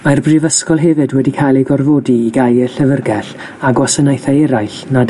Mae'r Brifysgol hefyd wedi cael ei gorfodi i gau ei llyfyrgell a gwasanaethau eraill nad